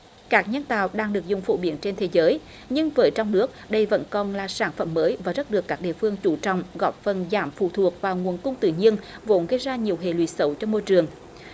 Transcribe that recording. cát nhân tạo đang được dùng phổ biến trên thế giới nhưng với trong nước đây vẫn còn là sản phẩm mới và rất được các địa phương chú trọng góp phần giảm phụ thuộc vào nguồn cung tự nhiên vốn gây ra nhiều hệ lụy xấu cho môi trường